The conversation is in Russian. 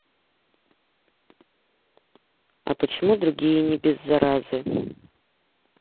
а почему другие не без заразы